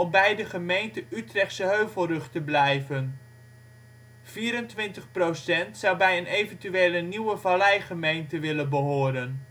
bij de gemeente Utrechtse Heuvelrug te blijven. 24 % zou bij de eventuele nieuwe Valleigemeente willen behoren